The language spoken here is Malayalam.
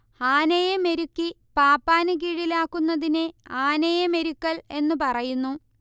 ആനയെ മെരുക്കി പാപ്പാന് കീഴിലാക്കുന്നതിനെ ആനയെ മെരുക്കൽ എന്നു പറയുന്നു